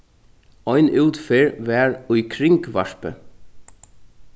ein útferð var í kringvarpið